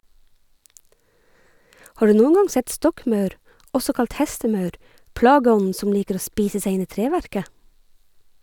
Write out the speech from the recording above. Har du noen gang sett stokkmaur, også kalt hestemaur, plageånden som liker å spise seg inn i treverket?